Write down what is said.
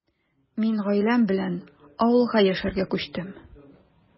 Мин гаиләм белән авылга яшәргә күчтем.